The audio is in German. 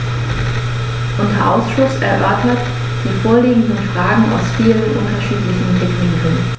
Unser Ausschuss erörtert die vorliegenden Fragen aus vielen unterschiedlichen Blickwinkeln.